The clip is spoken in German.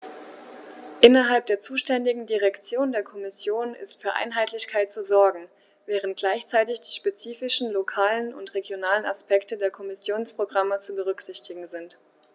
Innerhalb der zuständigen Direktion der Kommission ist für Einheitlichkeit zu sorgen, während gleichzeitig die spezifischen lokalen und regionalen Aspekte der Kommissionsprogramme zu berücksichtigen sind.